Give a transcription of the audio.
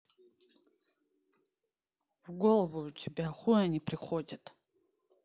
в голову у тебя хуй они приходят